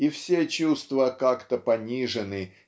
и все чувства как-то понижены